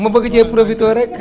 ma bëgg cee profité rek